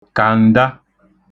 kàǹda